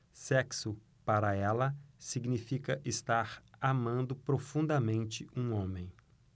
sexo para ela significa estar amando profundamente um homem